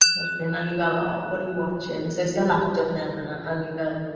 Chwerthin, a o'n i fel, "Oh, what are you watching?" So es i â laptop mewn 'na, a o'n i fel...